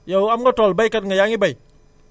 yow am nga tool béykat nga yaa ngi béy